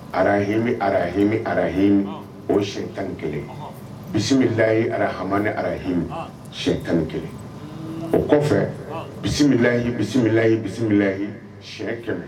Arahimi arahimi arahihmi o sɛ 1 kelen bisimilalayi arahami ni arahihmi siyɛn 1 kelen o kɔfɛ bisimilayi bisimilala ye bisimila siyɛn kɛmɛ